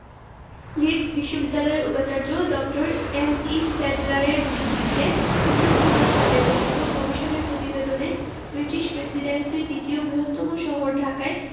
Leeds বিশ্ববিদ্যালয়ের উপাচার্য ড. এম.ই স্যাডলারের নেতৃত্বে ১৯১৯ সালে গঠিত কমিশনের প্রতিবেদনে ব্রিটিশ প্রেসিডেন্সির দ্বিতীয় বৃহত্তম শহর ঢাকায়